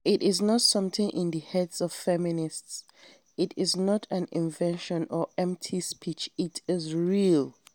It is not something in the heads of feminists, it is not an invention or empty speech: IT IS REAL!